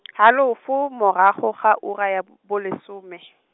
halofo morago ga ura ya b- bolesome.